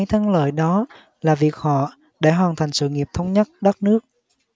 thắng lợi đó là việc họ đã hoàn thành sự nghiệp thống nhất đất nước